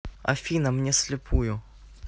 афина мне слепую